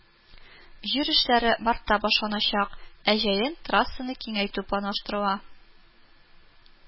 Җир эшләре мартта башланачак, ә җәен трассаны киңәйтү планлаштырыла